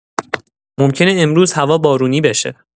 ممکنه امروز هوا بارونی بشه.